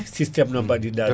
systéme no mbaɗirɗa ɗum